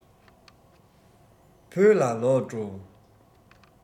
བོད ལ ལོག འགྲོ